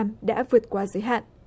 đã vượt quá giới hạn